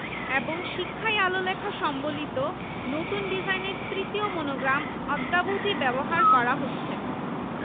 অগ্রণী ভূমিকা পালন করে বিশ্ববিদ্যালয় কর্তৃপক্ষ ১৯২০ সালের আইনে প্রদত্ত একাডেমিক স্বাধীনতা ও ঐতিহ্যের বিপরীতে ১৯৬১ সালের অর্ডিন্যান্স জারি করে